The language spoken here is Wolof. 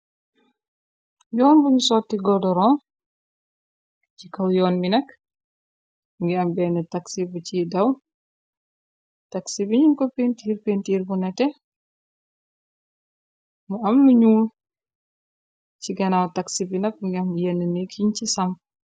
yoon buñu sotti godoron ci këw yoon bi nag ngi am benn taxsi bu ci daw taxsi bigñu ko pintiir pintiir bu nete mu am mu ñuul ci ganaaw taxsi bi nag ngim yenn ni kiñ ci sam